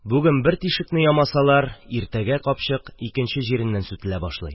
Бүген бер тишекне ямасалар, иртәгә капчык икенче җиреннән сүтелә башлый.